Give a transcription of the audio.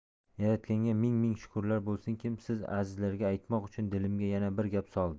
yaratganga ming ming shukrlar bo'lsinkim siz azizlarga aytmoq uchun dilimga yana bir gap soldi